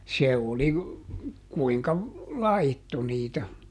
se oli kuinka laittoi niitä